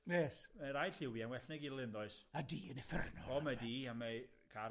Wes. My' rai lliwie'n well na'i gilydd yndoes? Ma' du yn uffernol on'd yw e? O mae du a mae car...